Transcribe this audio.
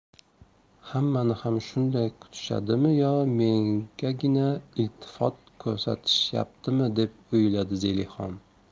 hammani ham shunday kutishadimi yo mengagina iltifot ko'rsatishyaptimi deb o'yladi zelixon